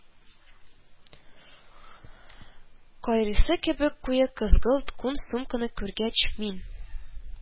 Кайрысы кебек куе кызгылт күн сумканы күргәч, мин